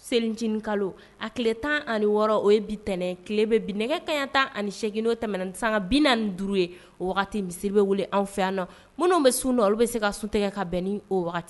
Selicinin kalo a tilele tan ani wɔɔrɔ o ye bitɛnɛn nɛgɛ ka tan ani8egino tɛmɛn san bi duuru ye o wagati misi bɛ wuli anw fɛ yan na minnu bɛ sun don olu bɛ se ka sun tigɛgɛ ka bɛn o